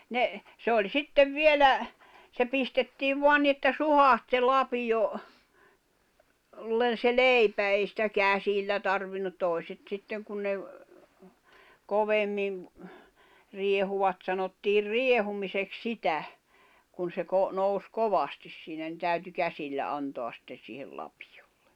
ne se oli sitten vielä se pistettiin vain niin että suhahti se lapio - se leipä ei sitä käsillä tarvinnut toiset sitten kun ne - kovemmin riehuivat sanottiin riehumiseksi sitä kun se - nousi kovasti siinä no täytyi käsillä antaa sitten siihen lapiolla